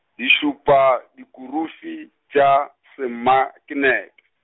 di šupa, dikurufi, tša, semaknete.